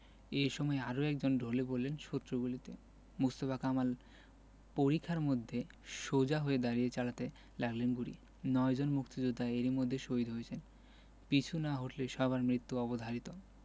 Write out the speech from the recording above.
এ সময় আরও একজন ঢলে পড়লেন শত্রুর গুলিতে মোস্তফা কামাল পরিখার মধ্যে সোজা হয়ে দাঁড়িয়ে চালাতে লাগলেন গুলি নয়জন মুক্তিযোদ্ধা এর মধ্যেই শহিদ হয়েছেন পিছু না হটলে সবার মৃত্যু অবধারিত